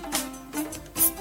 San